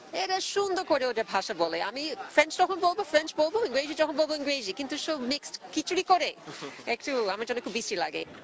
এরা সুন্দর করে ওদের ভাষা বলে আমি ফ্রেঞ্চ যখন বলবো ফ্রেঞ্চ বলব ইংরেজি যখন বলবো ইংরেজি বলবো কিন্তু সব মিক্সড খিচুড়ি করে একটু আমার জন্য খুব বিশ্রী লাগে